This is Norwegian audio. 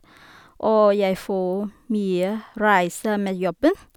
Og jeg får mye reiser med jobben.